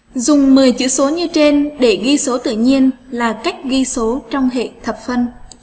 dùng chữ số như trên để ghi số tự nhiên là cách ghi số trong hệ thập phân